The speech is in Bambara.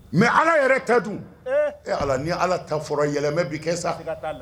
Mais Ala yɛrɛ ta dun, ee, e Ala, ni Ala ta fɔra yɛlɛma bɛ kɛ sa.